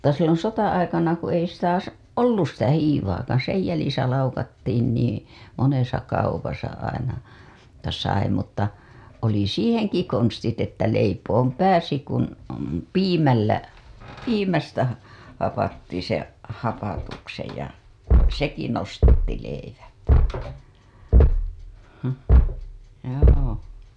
mutta silloin sota-aikana kun ei sitä - ollut sitä hiivaakaan sen jäljissä laukattiin niin monessa kaupassa aina - sai mutta oli siihenkin konstit että leipomaan pääsi kun piimällä piimästä - hapatti sen hapatuksen ja sekin nostatti leivän mm joo